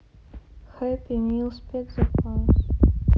хэппи мил спецзаказ